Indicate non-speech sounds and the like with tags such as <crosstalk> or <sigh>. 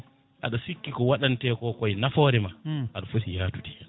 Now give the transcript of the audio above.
aɗa sikki ko waɗante kooyi nafoore ma <smacks lips> aɗa foti yaadude hen